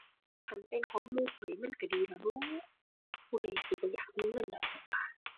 คันเป็นของหมู่ข้อยมันก็ดีล่ะเนาะ ผู้ใดสิบ่อยากมีเงินล่ะเจ้าว่า